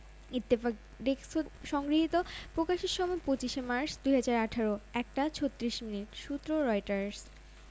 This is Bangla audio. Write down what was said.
তাহমিনা সুলতানা মৌ ও মৌসুমী নাগ সম্প্রতি ঢাকার বিভিন্ন লোকেশনে এ তিন অভিনয়শিল্পী একসঙ্গে শুটিংও করেছেন নাটকটি প্রতি রোববার থেকে বুধবার রাত ৮টা ১৫ মিনিটে মাছরাঙা টিভিতে প্রচার হয়